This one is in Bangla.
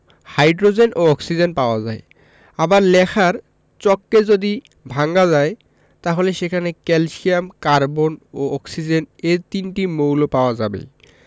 হাইড্রোজেন ও অক্সিজেন পাওয়া যায় আবার লেখার চককে যদি ভাঙা যায় তাহলে সেখানে ক্যালসিয়াম কার্বন ও অক্সিজেন এ তিনটি মৌল পাওয়া যাবে